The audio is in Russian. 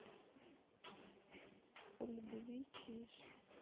о любви чиж